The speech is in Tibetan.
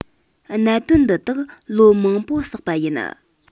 གནད དོན འདི དག ལོ མང པོ བསགས པ ཡིན